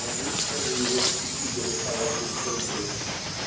ложится на его стихи белесоватый отблеск.